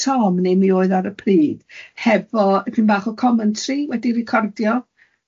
neu mi oedd o ar y pryd, hefo dipyn bach o comentri wedi recordio.